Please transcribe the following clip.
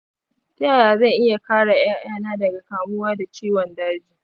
ta yaya zan iya kare ’ya’yana daga kamuwa da ciwon daji?